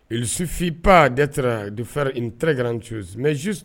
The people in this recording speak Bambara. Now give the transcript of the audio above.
Il suffit pas d'être de faire une très grande chose mais juste